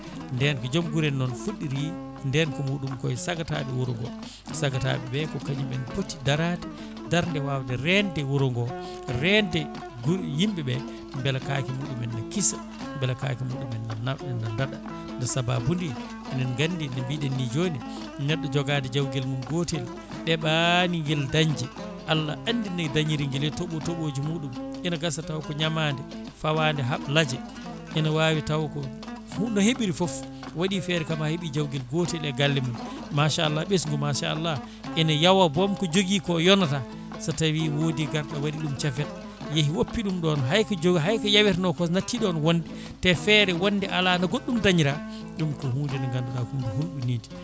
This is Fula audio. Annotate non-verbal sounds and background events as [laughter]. nde ko joom guure en noon fuɗɗori ndenka muɗum koye sagataɓe wuuro ngo sagataɓe ɓe ko kañumen pooti darade darde wawde rende wuuro ngo rende yimɓeɓe beela kaake muɗumen ne kiisa beela kaake muɗumen ne daaɗa sababude enen gandi no mbiɗen ni joni neɗɗo joogade jawguel mum gotel ɗeeɓani guel dañje Allah andi no dañiri nguel e tooɓo tooɓoji muɗum ene gaasa taw ko ñamande fawade laaje ene wawi tawko [hesitation] no heeɓiri foof waɗi feere kam ha heeɓi jawguel gootel e galle mum machallah ɓesgu machallah ene yaawa boom ko joogui ko yonata so tawi woodi garɗo waɗi ɗum coofet yeeyi woppi ɗum ɗon hayko ko [hesitation] yaweteno ko natti ɗon wonde te feere wonde ala no goɗɗum dañira vum ko hunde nde gandu ko hunde hulɓinide